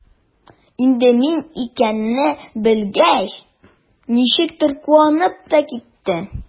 Инде мин икәнне белгәч, ничектер куанып та китте.